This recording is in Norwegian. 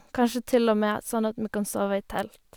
Kanskje til og med sånn at vi kan sove i telt.